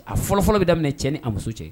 A fɔlɔfɔlɔ bɛ daminɛ cɛn ni a muso cɛ